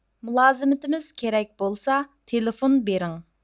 مۇلازىمىتىمىز كېرەك بولسا تېلېفون بېرىڭ